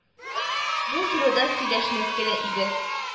Бу турыда сөйләшмәскә дә иде